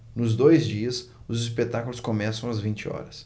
nos dois dias os espetáculos começam às vinte horas